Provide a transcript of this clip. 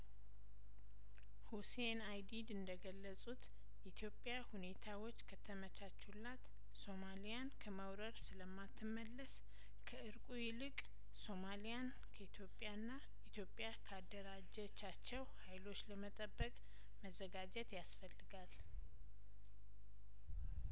ሁሴን አይዲድ እንደገለጹት ኢትዮጵያ ሁኔታዎች ከተመቻቹላት ሶማሊያን ከመውረር ስለማትመለስ ከእርቁ ይልቅ ሶማሊያን ከኢትዩጵያና ኢትዮጵያ ካደራጀቻቸው ሀይሎች ለመጠበቅ መዘጋጀት ያስፈልጋል